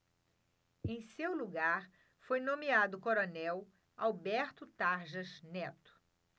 em seu lugar foi nomeado o coronel alberto tarjas neto